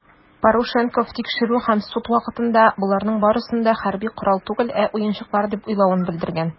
Парушенков тикшерү һәм суд вакытында, боларның барысын да хәрби корал түгел, ә уенчыклар дип уйлавын белдергән.